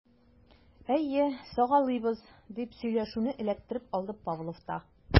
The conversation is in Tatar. Әйе, сагалыйбыз, - дип сөйләшүне эләктереп алды Павлов та.